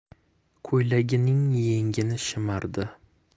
ko'ylagining yengini shimardi